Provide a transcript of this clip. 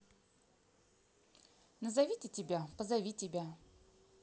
назовите тебя позови тебя